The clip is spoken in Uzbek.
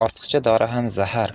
ortiqcha dori ham zahar